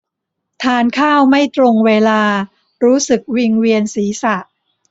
ทานข้าวไม่ตรงเวลารู้สึกวิงเวียนศีรษะ